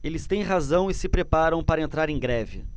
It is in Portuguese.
eles têm razão e se preparam para entrar em greve